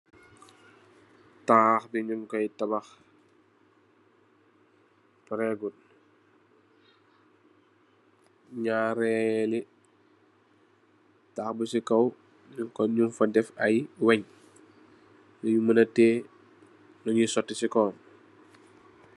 Taah bi nung koy tabah parè guut. Narèri taah bu ci kaw nung fa deff ay wënn yu muna tè li ngi soti ci kawam.